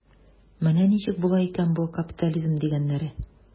Менә ничек була икән бу капитализм дигәннәре.